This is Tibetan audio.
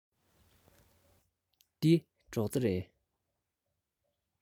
འདི སྒྲོག རྩེ རེད